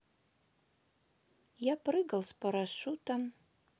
я прыгал с парашютом